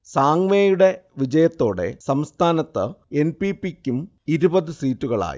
സാങ്മയുടെ വിജയത്തോടെ സംസ്ഥാനത്ത് N. P. P. ക്കും ഇരുപത് സീറ്റുകളായി